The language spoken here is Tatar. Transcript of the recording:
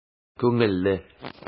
Күңелле!